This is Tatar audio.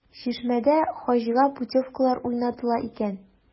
“чишмә”дә хаҗга путевкалар уйнатыла икән.